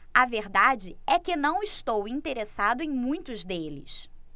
a verdade é que não estou interessado em muitos deles